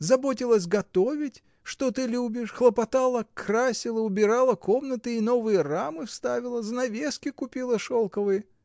Заботилась готовить, что ты любишь, хлопотала, красила, убирала комнаты и новые рамы вставила, занавески купила шелковые.